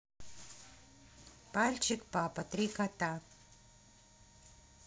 пальчик папа три кота